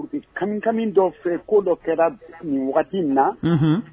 U be kamikami dɔw fɛn ko dɔw kɛra nin waati wagati na, unhun.